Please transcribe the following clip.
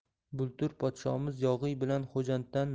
bultur podshomiz yog'iy bilan xo'janddan